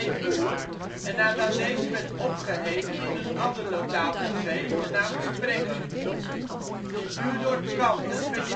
Boer en nadat deze werd opgeheven in een ander lokaal café genaamd Sprenger. In buurdorp Kantens werd